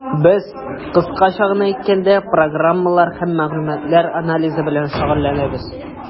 Без, кыскача гына әйткәндә, программалар һәм мәгълүматлар анализы белән шөгыльләнәбез.